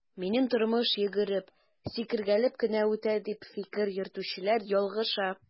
Минем тормыш йөгереп, сикергәләп кенә үтә, дип фикер йөртүчеләр ялгыша.